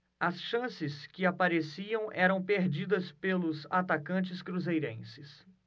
as chances que apareciam eram perdidas pelos atacantes cruzeirenses